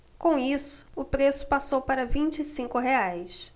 com isso o preço passou para vinte e cinco reais